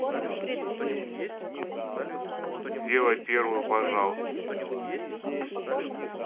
сделать первую пожалуйста